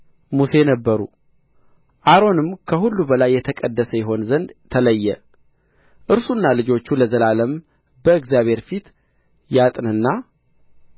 ሙሴ ነበሩ አሮንም ከሁሉ በላይ የተቀደሰ ይሆን ዘንድ ተለየ እርሱና ልጆቹ ለዘላለም በእግዚአብሔር ፊት ያጥንና